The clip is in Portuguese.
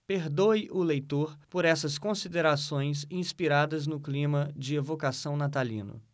perdoe o leitor por essas considerações inspiradas no clima de evocação natalino